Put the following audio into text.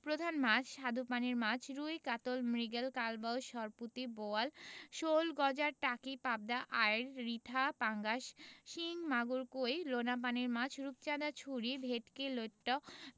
প্রধান মাছঃ স্বাদুপানির মাছ রুই কাতল মৃগেল কালবাউস সরপুঁটি বোয়াল শোল গজার টাকি পাবদা আইড় রিঠা পাঙ্গাস শিং মাগুর কৈ লোনাপানির মাছ রূপচাঁদা ছুরি ভেটকি লইট্ট